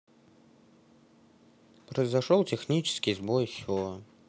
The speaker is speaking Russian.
произошел технический сбой все